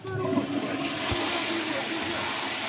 — Хорош, бачка, не надо его обижать.